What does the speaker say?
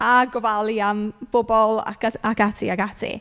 A gofalu am bobl ac y- ac ati ac ati.